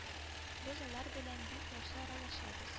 Без алар белән бик яхшы аралашабыз